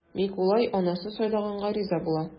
Микулай анасы сайлаганга риза була.